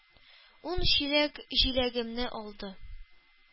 Ун чиләк җиләгемне алды.